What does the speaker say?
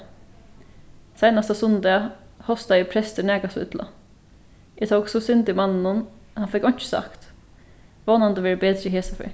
seinasta sunnudag hostaði prestur nakað so illa eg tók so synd í manninum hann fekk einki sagt vónandi verður betri hesa ferð